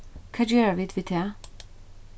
hvat gera vit við tað